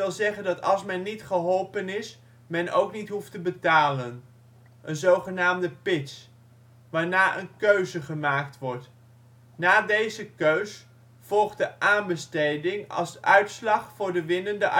zeggen dat als men niet geholpen is, men ook niet hoeft te betalen (een zogenaamde pitch), waarna een keus gemaakt wordt. Na deze keus volgt de aanbesteding als uitslag voor de winnende